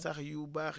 sax yu baax